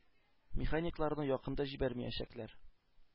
Механикларны якын да җибәрмәячәкләр.